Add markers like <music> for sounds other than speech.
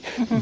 <hesitation> <hesitation>